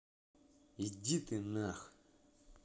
иди ты нах